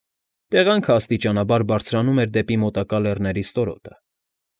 Տեղանքը աստիճանաբար բարձրանում էր դեպի մոտակա լեռների ստորոտը։